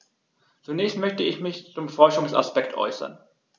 Zunächst möchte ich mich zum Forschungsaspekt äußern.